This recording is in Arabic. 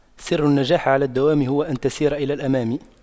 سر النجاح على الدوام هو أن تسير إلى الأمام